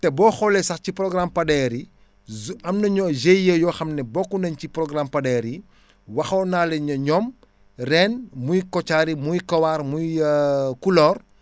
te boo xoolee sax ci programme Pader yi zo am na ñoo GIE yoo xam ne bokk nañ ci programme Pader yi waxoon naa leen ne ñoom ren muy Kothiari muy Kawar muy Kulor